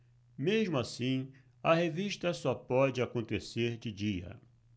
mesmo assim a revista só pode acontecer de dia